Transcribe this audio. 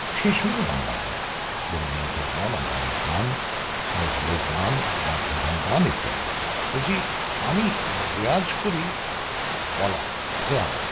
সেই সঙ্গে বাংলা গান রবীন্দ্রনাথের গান আধুনিক গান নজরুলের গান রাগপ্রধান গান ইত্যাদি যদি আমি রেয়াজ করি গলার খেয়াল